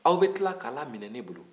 aw bɛ tila k'a laminɛ ne bolo